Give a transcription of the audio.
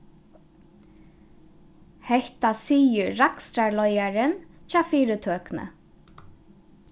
hetta sigur rakstrarleiðarin hjá fyritøkuni